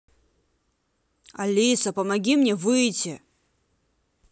алиса помоги мне выйти